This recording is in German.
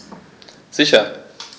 Sicher.